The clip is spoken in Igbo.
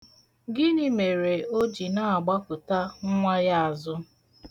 Gịnị mere o ji na-agbakụta nwa ya azụ?